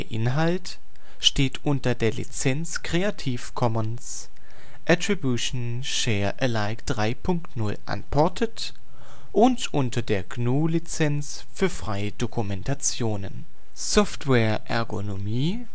Inhalt steht unter der Lizenz Creative Commons Attribution Share Alike 3 Punkt 0 Unported und unter der GNU Lizenz für freie Dokumentation. Software-Ergonomie